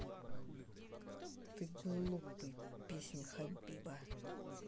ты глупый песня хабиба